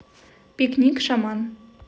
пикник шаман